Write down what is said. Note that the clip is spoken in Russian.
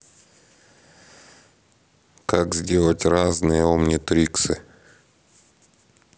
как сделать разные омнитриксы